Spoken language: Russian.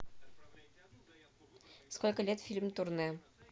сколько лет фильм турне